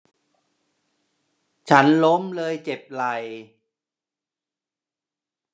ฉันล้มเลยเจ็บไหล่